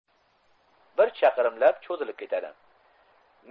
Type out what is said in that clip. bir chaqirimlab cho'zilib ketadi